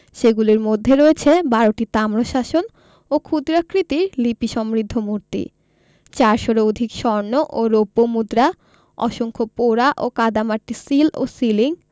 সেগুলির মধ্যে রয়েছে বারোটি তাম্রশাসন ও ক্ষুদ্রাকৃতির লিপিসমৃদ্ধ মূর্তি চারশরও অধিক স্বর্ণ ও রৌপ্য মুদ্রা অসংখ্য পোড়া ও কাদামাটির সিল ও সিলিং